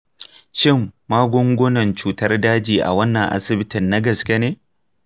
shin magungunan cutar daji a wannan asibitin na gaske ne?